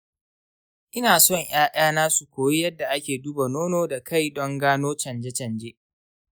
ina son ’ya’yana su koyi yadda ake duba nono da kai don gano canje-canje.